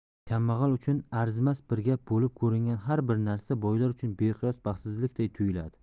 kambag'al uchun arzimas bir gap bo'lib ko'ringan har bir narsa boylar uchun beqiyos baxtsizlikday tuyuladi